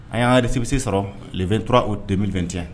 An y' yɛrɛ de sibisi sɔrɔ 2ttura' o denmisɛnnin2ti